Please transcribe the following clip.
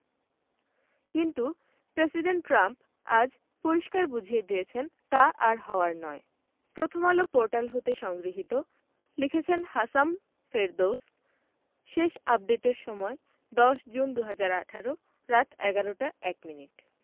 কিন্তু president Trump আজ পরিষ্কার বুঝিয়ে দিয়েছেন তা আর হওয়ার নয় প্রথমআলো পোর্টাল হতে সংগৃহীত লিখেছেন হাসাম ফেরদৌস শেষ আপডেটের সময় ১০ জুন ২০১৮ রাত ১১টা ১ মিনিট